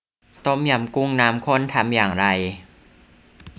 ต้มยำกุ้งน้ำข้นทำอย่างไร